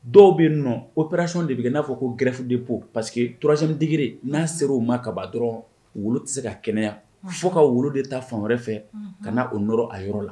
Dɔw bɛ nɔn o pɛracɔn de bɛ n'a fɔ ko gɛrɛfi de koo pa que turasane digiri n'a sera u ma kaban dɔrɔn wolo tɛ se ka kɛnɛya fo ka wolo de taa fan wɛrɛ fɛ ka n' o nɔrɔ a yɔrɔ la